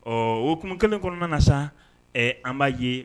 Ɔ o hukumu kelen kɔnɔna na sa, ɛ an b'a ye.